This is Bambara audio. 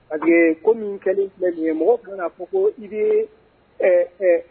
Parce que ko min kɛlen filɛ nin ye mɔgɔ kana fɔ koo i bee ɛɛ ɛɛ